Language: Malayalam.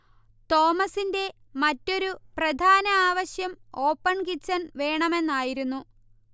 തോമസിന്റെ മറ്റൊരു പ്രധാന ആവശ്യം ഓപ്പൺ കിച്ചൺ വേണമെന്നായിരുന്നു